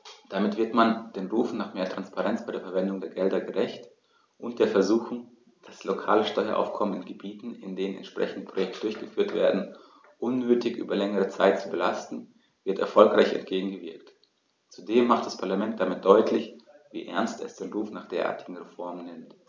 Damit wird man den Rufen nach mehr Transparenz bei der Verwendung der Gelder gerecht, und der Versuchung, das lokale Steueraufkommen in Gebieten, in denen entsprechende Projekte durchgeführt werden, unnötig über längere Zeit zu belasten, wird erfolgreich entgegengewirkt. Zudem macht das Parlament damit deutlich, wie ernst es den Ruf nach derartigen Reformen nimmt.